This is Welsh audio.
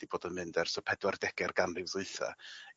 'di bod yn mynd ers y pedwar dege'r ganrif ddwytha